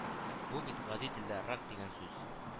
Бу бит гади телдә рак дигән сүз